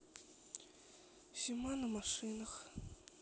зима на машинах